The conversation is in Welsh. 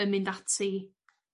yn mynd ati